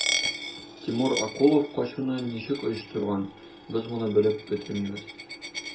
Тимур Акулов качуны ничек оештырган, без моны белеп бетермибез.